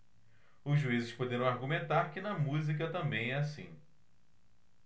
os juízes poderão argumentar que na música também é assim